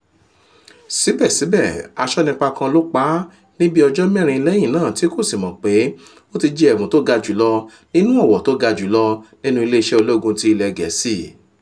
Síbẹ̀síbẹ̀, asọnipa kán ló pa á ní bí ọjọ̀ mẹ́rin lẹ́yìn náà tí kò sí mọ̀ pé ó ti jẹ ẹ̀bùn tó ga jùlọ nínú ọ́wọ̀ tó ga jùlọ nínú ilé iṣẹ́ ológun tí ilẹ̀ Gẹ́ẹ̀sì.